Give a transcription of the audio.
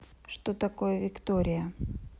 что такое виктория